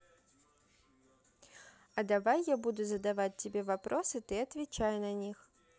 а давай я буду задавать тебе вопросы ты отвечай на них